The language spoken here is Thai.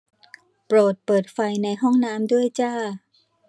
โปรดเปิดไฟในห้องน้ำด้วยจ้า